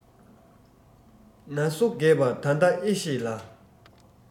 ན སོ རྒས པ ད ལྟ ཨེ ཤེས ལ